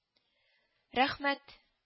—рәхмәт